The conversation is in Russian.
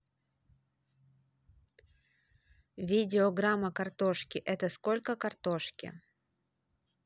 видеограмма картошки это сколько картошки